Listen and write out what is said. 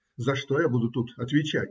За что я буду тут отвечать?